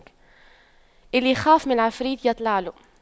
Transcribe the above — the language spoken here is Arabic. اللي يخاف من العفريت يطلع له